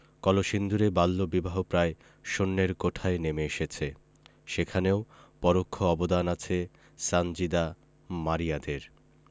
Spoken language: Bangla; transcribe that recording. কলসিন্দুরে বাল্যবিবাহ প্রায় শূন্যের কোঠায় নেমে এসেছে সেখানেও পরোক্ষ অবদান আছে সানজিদা মারিয়াদের